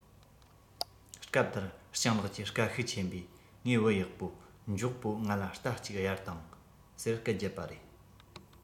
སྐབས དེར སྤྱང ལགས ཀྱིས སྐད ཤུགས ཆེན པོས ངའི བུ ཡག པོ མགྱོགས པོ ང ལ རྟ གཅིག གཡར དང ཟེར སྐད རྒྱབ པ རེད